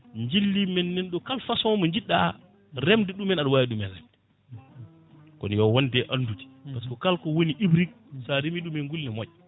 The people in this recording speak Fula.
jilli men nanɗo kala façon mo jiɗɗa remde ɗumen aɗa wawi ɗumen remde kono yo wonde andude par ce que kala ko woni hibride sa reemi ɗum e gulli ne moƴƴa